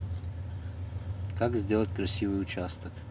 как сделать красивый участок